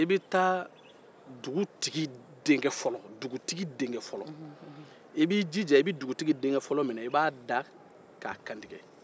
i b'i jija i b' dugutigi denkɛ fɔlɔ da k'a kantige